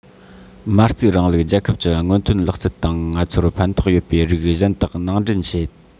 མ རྩའི རིང ལུགས རྒྱལ ཁབ ཀྱི སྔོན ཐོན ལག རྩལ དང ང ཚོར ཕན ཐོགས ཡོད པའི རིགས གཞན དག ནང འདྲེན བྱེད